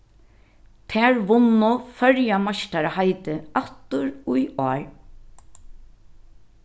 tær vunnu føroyameistaraheitið aftur í ár